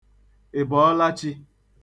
ị̀bọ̀ọlachī